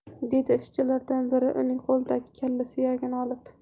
dedi ishchilardan biri uning qo'lidan kalla suyagini olib